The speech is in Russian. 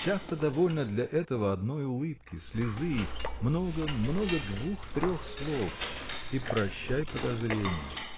часто довольно для этого одной улыбки слезы много много двух трех слов – и прощай подозрения.